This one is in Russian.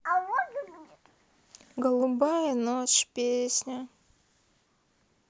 голубая ночь песня